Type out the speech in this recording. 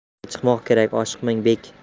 safarga chiqmoq kerak oshiqmang bek